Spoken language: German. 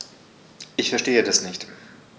Ich verstehe das nicht.